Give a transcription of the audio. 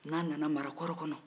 n'an nana marakɔrɔ kɔnɔ